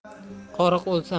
oriq o'lsa mazasi